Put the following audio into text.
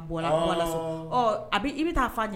A bɛ i bɛ taa fa ɲɛ